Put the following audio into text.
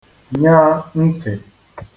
nyà ntị̀